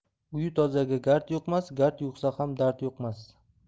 uyi tozaga gard yuqmas gard yuqsa ham dard yuqmas